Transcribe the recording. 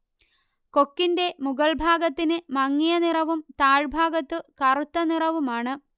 കൊക്കിന്റെ മുകൾഭാഗത്തിന് മങ്ങിയ നിറവും താഴ്ഭാഗത്തു കറുത്ത നിറവുമാണ്